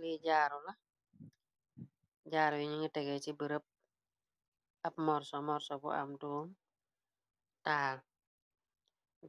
Lii jaaru la . Jaaru yu ñi nga tegee ci bërëpb ab morso morso bu am doom taal.